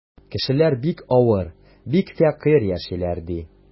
Кешеләр бик авыр, бик фәкыйрь яшиләр, ди.